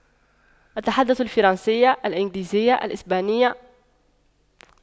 أتحدث الفرنسية الانجليزية الإسبانية